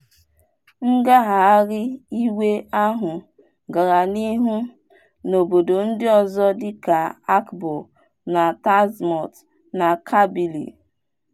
Ngagharị iwe ahụ gara n'ihu n'obodo ndị ọzọ dịka Akbou na Tazmalt na Kabylie.